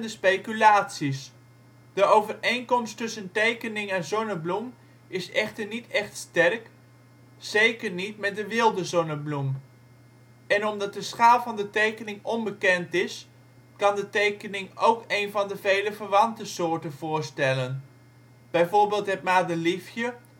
speculaties. De overeenkomst tussen tekening en zonnebloem is echter niet echt sterk, zeker niet met de wilde zonnebloem. En omdat de schaal van de tekening onbekend is, kan de tekening ook een van de vele verwante soorten voorstellen, bijvoorbeeld het madeliefje